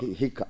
hikka